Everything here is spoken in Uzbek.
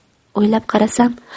o'ylab qarasam